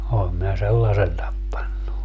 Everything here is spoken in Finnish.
olen minä sellaisen tappanut